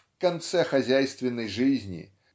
В конце хозяйственной жизни